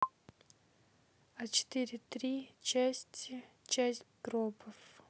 а четыре три части часть гробов